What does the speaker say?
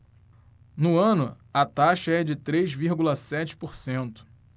no ano a taxa é de três vírgula sete por cento